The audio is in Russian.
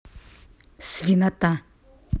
свинота